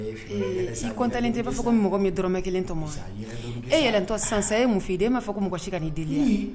E b'a fɔ dɔrɔn kelen tɔ e yɛlɛ san e mu i b'a fɔ ko mɔgɔ si ka